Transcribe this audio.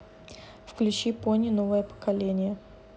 включи пони новое поколение